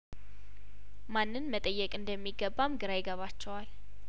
ማንን መጠየቅ እንደሚገባም ግራ ይገባቸዋል